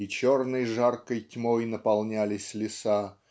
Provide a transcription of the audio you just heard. и черной жаркой тьмой наполнялись леса